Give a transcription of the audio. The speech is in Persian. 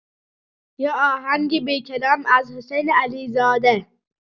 یه آهنگ بی‌کلام از حسین علیزاده